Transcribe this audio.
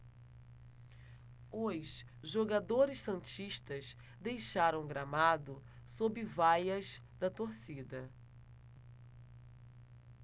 os jogadores santistas deixaram o gramado sob vaias da torcida